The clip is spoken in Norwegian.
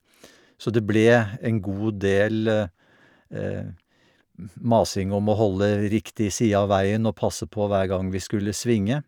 Så det ble en god del masing om å holde riktig side av veien og passe på hver gang vi skulle svinge.